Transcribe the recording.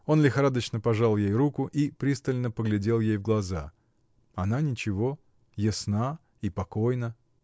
Он лихорадочно пожал ей руку и пристально поглядел ей в глаза. Она — ничего, ясна и покойна.